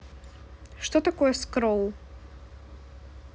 что такое скроу